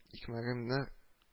Икмәгемне